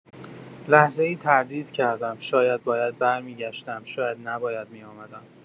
لحظه‌ای تردید کردم، شاید باید برمی‌گشتم، شاید نباید می‌آمدم.